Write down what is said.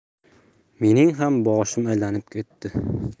mening ham boshim aylanib ketdi